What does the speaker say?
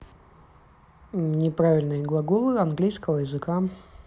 неправильные глаголы английского языка